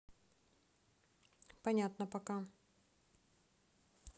понятно пока